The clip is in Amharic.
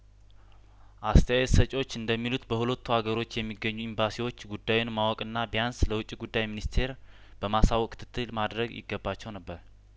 አስተያየት ሰጪዎች እንደሚሉት በሁለቱ አገሮች የሚገኙ ኤምባሲዎች ጉዳዩን ማወቅና ቢያንስ ለውጭ ጉዳይ ሚኒስቴር በማሳወቅ ክትትል ማድረግ ይገባቸው ነበር